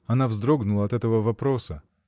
Она вздрогнула от этого вопроса.